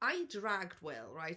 I dragged Will, right?